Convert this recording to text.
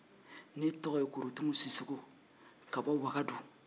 ne tɔgɔ ye korotumu sisɔkɔ ka bɔ wagadu